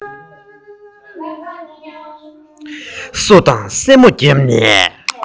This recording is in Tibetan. སོ དང སེན མོ བརྒྱབ ནས